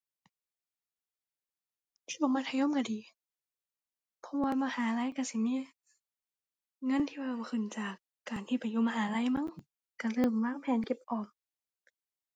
ช่วงมัธยมก็ดี เพราะว่ามหาลัยก็สิมีเงินที่เพิ่มขึ้นจากการที่ไปอยู่มหาลัยมั้ง ก็เริ่มวางแผนเก็บออม